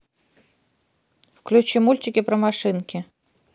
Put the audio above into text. включи мультики про машинки